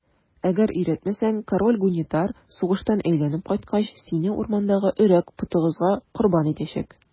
Әгәр өйрәтмәсәң, король Гунитар сугыштан әйләнеп кайткач, сине урмандагы Өрәк потыгызга корбан итәчәк.